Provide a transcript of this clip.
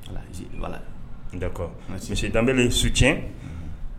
Sinse danbebe suc